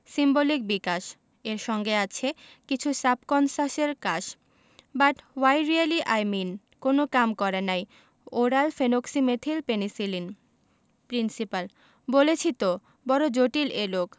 symbolic বিকাশ এর সঙ্গে আছে কিছু সাবকন্সাসের কাশ but what really I mean কোন কাম করে নাই ওরাল ফেনোক্সিমেথিল পেনিসিলিন প্রিন্সিপাল বলেছি তো বড় জটিল এ রোগ